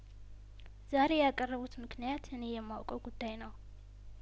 ዛሬ ያቀረቡት ምክንያት እኔ የማውቀው ጉዳይ ነው